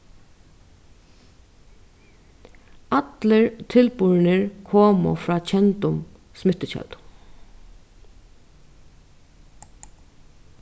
allir tilburðirnir komu frá kendum smittukeldum